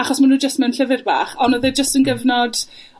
Achos ma' nw jyst mewn llyfyr bach. Ond oedd e jyst yn gyfnod